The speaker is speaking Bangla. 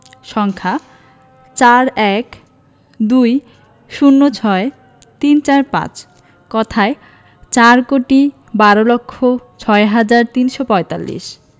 সংখ্যাঃ ৪ ১২ ০৬ ৩৪৫ কথায়ঃ চার কোটি বার লক্ষ ছয় হাজার তিনশো পঁয়তাল্লিশ